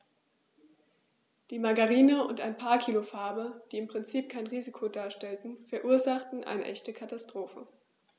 Die Margarine und ein paar Kilo Farbe, die im Prinzip kein Risiko darstellten, verursachten eine echte Katastrophe.